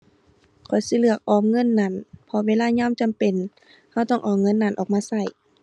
ข้อยสิเลือกออมเงินนั้น เพราะเวลายามจำเป็น เราต้องเอาเงินนั้นออกมาเรา